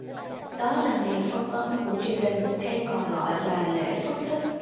đó là ngày phong ấn của triều đình hay còn gọi là lễ phất thức